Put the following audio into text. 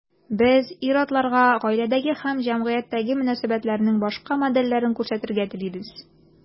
Без ир-атларга гаиләдәге һәм җәмгыятьтәге мөнәсәбәтләрнең башка модельләрен күрсәтергә телибез.